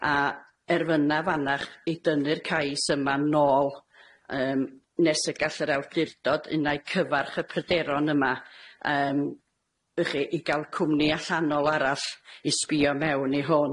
A erfynaf arnach i dynnu'r cais yma'n ôl yym nes y gall yr awdurdod un ai cyfarch y pryderon yma yym y'chi i ga'l cwmni allanol arall i sbïo mewn i hwn,